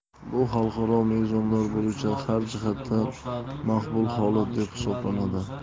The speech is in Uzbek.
bu xalqaro mezonlar bo'yicha har jihatdan maqbul holat deb hisoblanadi